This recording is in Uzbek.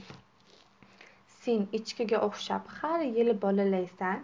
sen echkiga o'xshab har yili bolalaysan